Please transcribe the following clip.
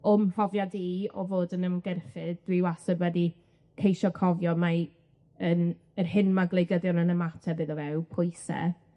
O'm mhrofiad i o fod yn ymgyrchydd, dwi wastad wedi ceisio cofio mai yn yr hyn ma' gwleidyddion yn ymateb iddo fe yw pwyse